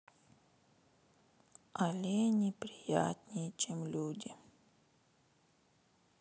олени приятнее чем люди